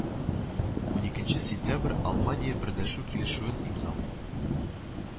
Уникенче сентябрь алмания берләшү килешүен имзалый